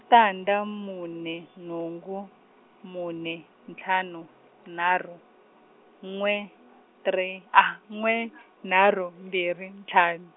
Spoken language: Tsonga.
tandza mune nhungu, mune ntlhanu nharhu, n'we three a n'we nharhu mbirhi ntlhanu.